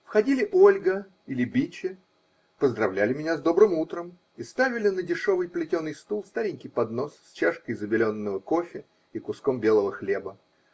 Входили Ольга или Биче, поздравляли меня с добрым утром и ставили на дешевый плетеный стул старенький поднос с чашкой забеленного кофе и куском белого хлеба.